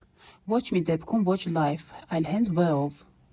Ոչ մի դեպքում ոչ «լայֆ», այլ հենց վ֊ով։